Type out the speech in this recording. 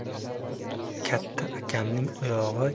katta akamning oyog'i